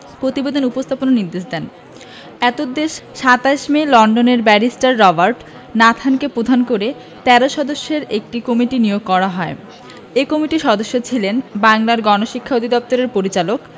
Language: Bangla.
প্রতিবেদন উপস্থাপনের নির্দেশ দেন এতদুদ্দেশ্যে ২৭ মে লন্ডনের ব্যারিস্টার রবার্ট নাথানকে প্রধান করে ১৩ সদস্যের একটি কমিটি নিয়োগ করা হয় এ কমিটির সদস্য ছিলেন বাংলার গণশিক্ষা অধিদপ্তরের পরিচালক